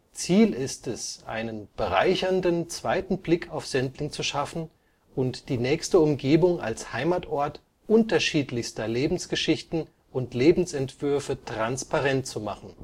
Ziel ist es einen bereichernden zweiten Blick auf Sendling zu schaffen und die nächste Umgebung als Heimatort unterschiedlichster Lebensgeschichten und Lebensentwürfe transparent zu machen